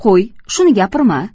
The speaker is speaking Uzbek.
qo'y shuni gapirma